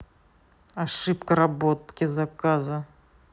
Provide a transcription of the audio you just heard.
ошибка работки заказа